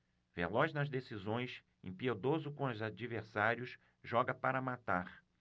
veloz nas decisões impiedoso com os adversários joga para matar